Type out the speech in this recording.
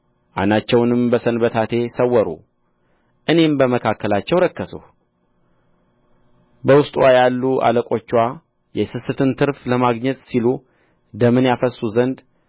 ዓይናቸውንም ከሰንበታቴ ሰወሩ እኔም በመካከላቸው ረከስሁ በውስጥዋ ያሉ አለቆችዋ የስስትን ትርፍ ለማግኘት ሲሉ ደምን ያፈስሱ ዘንድ